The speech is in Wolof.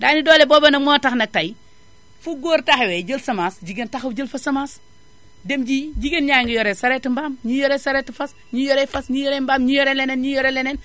daani doole boobu nag moo tax nag tay fu góor taxawee jël semence jigéen taxaw jël fa semence dem ji wi jigéen ñaa ngi yore charette mbaam ñii yore charette fas ñii yore fas ñii yore mbaam ñii yore leneen ñii yore leneneen